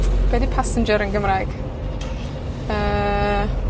Be' 'di passenger yn Gymraeg? Yy,